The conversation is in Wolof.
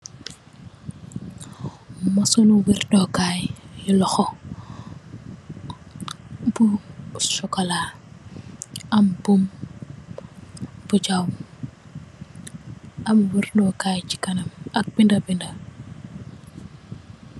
Maceno werdo kaye yu lohou bu sukola am bum bu jaw am werdo kaye che kanam ak beda beda.